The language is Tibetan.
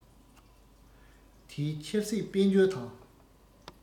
དེའི ཆབ སྲིད དཔལ འབྱོར དང